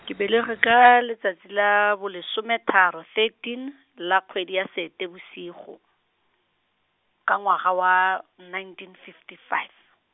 ke belegwe ka letsatsi la bolesome tharo thirteen, la kgwedi ya Seetebosigo, ka ngwaga wa, nineteen fifty five.